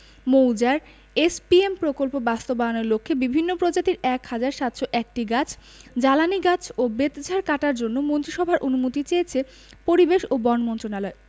মৌজার এসপিএম প্রকল্প বাস্তবায়নের লক্ষ্যে বিভিন্ন প্রজাতির ১ হাজার ৭০১টি গাছ জ্বালানি গাছ ও বেতঝাড় কাটার জন্য মন্ত্রিসভার অনুমতি চেয়েছে পরিবেশ ও বন মন্ত্রণালয়